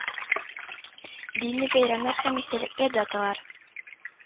Дини бәйрәмнәр һәм истәлекле даталар